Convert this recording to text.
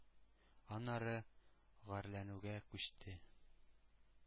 Аннары гарьләнүгә күчте,